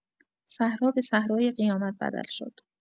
صحرا به صحرای قیامت بدل شد.